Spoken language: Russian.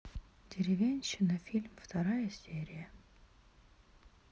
деревенщина фильм вторая серия